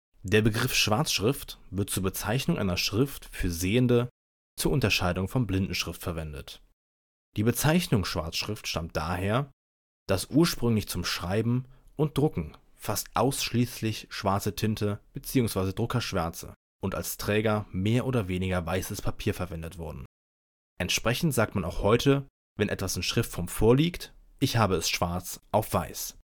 Der Begriff Schwarzschrift wird zur Bezeichnung einer Schrift für Sehende zur Unterscheidung von Blindenschrift verwendet. Die Bezeichnung Schwarzschrift stammt daher, dass ursprünglich zum Schreiben und Drucken fast ausschließlich schwarze Tinte bzw. Druckerschwärze und als Träger mehr oder weniger weißes Papier verwendet wurden. Entsprechend sagt man auch heute, wenn etwas in Schriftform vorliegt: „ Ich habe es schwarz auf weiß